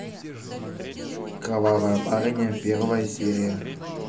кровавая барыня первая серия